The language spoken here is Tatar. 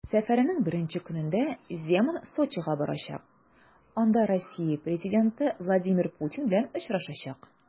Сәфәренең беренче көнендә Земан Сочига барачак, анда Россия президенты Владимир Путин белән очрашачак.